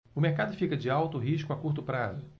o mercado fica de alto risco a curto prazo